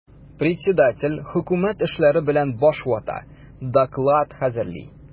Председатель хөкүмәт эшләре белән баш вата, доклад хәзерли.